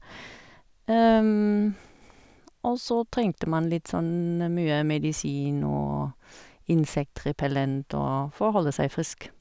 Og så trengte man litt sånn mye medisin og insekt repellent og for å holde seg frisk.